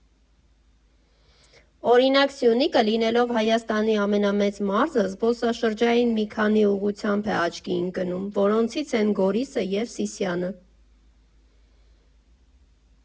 Օրինակ՝ Սյունիքը, լինելով Հայաստանի ամենամեծ մարզը, զբոսաշրջային մի քանի ուղղությամբ է աչքի ընկնում, որոնցից են Գորիսը և Սիսիանը։